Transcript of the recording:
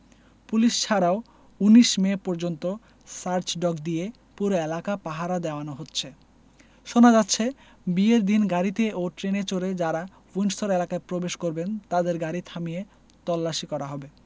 police ছাড়াও ১৯ May পর্যন্ত search dog দিয়ে পুরো এলাকা পাহারা দেওয়ানো হচ্ছে শোনা যাচ্ছে বিয়ের দিন গাড়িতে ও ট্রেনে চড়ে যাঁরা উইন্ডসর এলাকায় প্রবেশ করবেন তাঁদের গাড়ি থামিয়ে তল্লাশি করা হবে